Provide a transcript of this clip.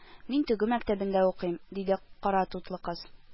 Мин тегү мәктәбендә укыйм, диде каратутлы кыз